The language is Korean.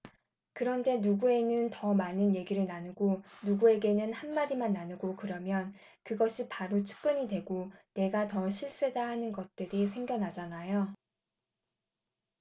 그런데 누구에는 더 많은 얘기를 나누고 누구에게는 한 마디만 나누고 그러면 그것이 바로 측근이 되고 내가 더 실세다 하는 것들이 생겨나잖아요